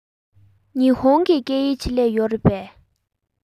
ཉི ཧོང གི སྐད ཡིག ཆེད ལས ཡོད རེད པས